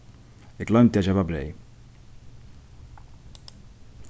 eg gloymdi at keypa breyð